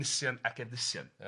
Nisien ac Efnisien. Ia.